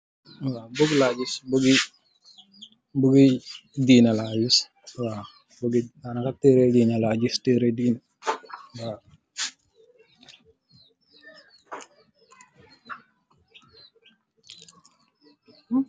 Buuk laa gis, tëre diina laa gis, waaw.